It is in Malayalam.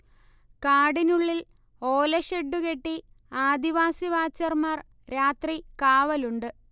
കാടിനുള്ളിൽ ഓലഷെഡ്ഡുകെട്ടി ആദിവാസി വാച്ചർമാർ രാത്രി കാവലുണ്ട്